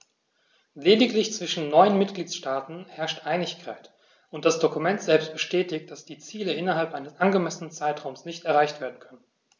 Lediglich zwischen neun Mitgliedsstaaten herrscht Einigkeit, und das Dokument selbst bestätigt, dass die Ziele innerhalb eines angemessenen Zeitraums nicht erreicht werden können.